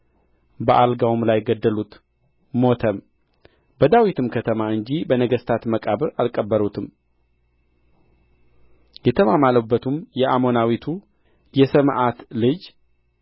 በአልጋውም ላይ ገደሉት ሞተም በዳዊት ከተማ እንጂ በነገሥታት መቃብር አልቀበሩትም የተማማሉበትም የአሞናዊቱ የሰምዓት ልጅ